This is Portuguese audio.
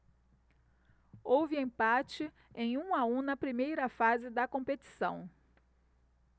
houve empate em um a um na primeira fase da competição